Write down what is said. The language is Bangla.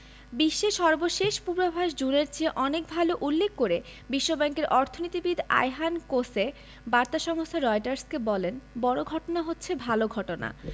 বিশ্বের সর্বশেষ পূর্বাভাস জুনের চেয়ে অনেক ভালো উল্লেখ করে বিশ্বব্যাংকের অর্থনীতিবিদ আয়হান কোসে বার্তা সংস্থা রয়টার্সকে বলেন বড় ঘটনা হচ্ছে ভালো ঘটনা